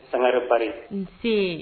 Sangare Bari, un see!